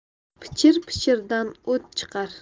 pichir pichirdan o't chiqar